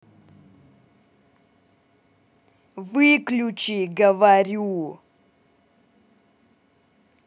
выключи говорю